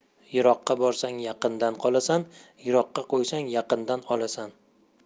yiroqqa borsang yaqindan qolasan yiroqqa qo'ysang yaqindan olasan